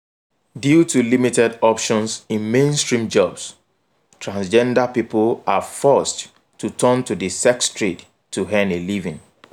Due to limited options in mainstream jobs, transgender people are forced to turn to the sex trade to earn a living.